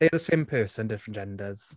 They're the same person, different genders.